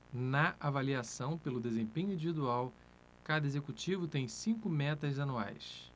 na avaliação pelo desempenho individual cada executivo tem cinco metas anuais